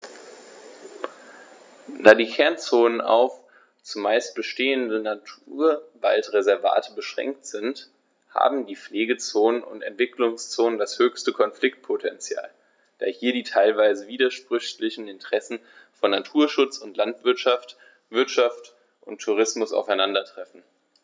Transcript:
Da die Kernzonen auf – zumeist bestehende – Naturwaldreservate beschränkt sind, haben die Pflegezonen und Entwicklungszonen das höchste Konfliktpotential, da hier die teilweise widersprüchlichen Interessen von Naturschutz und Landwirtschaft, Wirtschaft und Tourismus aufeinandertreffen.